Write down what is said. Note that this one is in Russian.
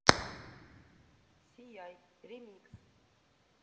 сияй ремикс